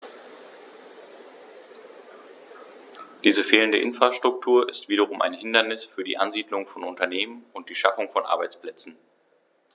Diese fehlende Infrastruktur ist wiederum ein Hindernis für die Ansiedlung von Unternehmen und die Schaffung von Arbeitsplätzen.